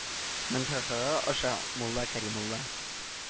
Мөнтаһага аша, мулла-кәримулла